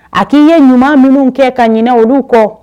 A k'i ye ɲuman minnu kɛ kainɛ olu kɔ